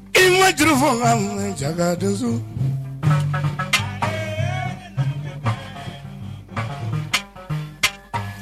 I ma juru fɔ kan mɛn! Cɛ ka donso!